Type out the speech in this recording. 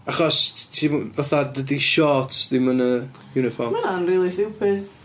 Achos ti... fatha dydy shorts ddim yn y uniform... Mae hynna'n rili stiwpid.